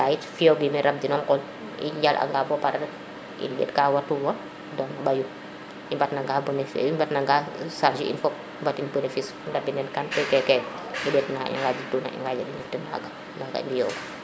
nda int fiyogime rab dino ŋool i njal anga bo pare rek im nddt ka wat numa doon no mbayum i mbat nanag charge in fop mbatin benefice mbatin kantin keke ndet na i ŋaajri tuna i ŋaajri tin naaga naga i mbiyo gu